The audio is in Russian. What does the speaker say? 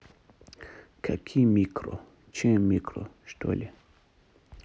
какие микро чем микро что ли